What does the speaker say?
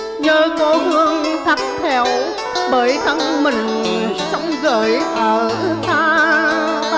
nhớ cố hương thắt thẻo bởi thân mình sống gởi ở tha bang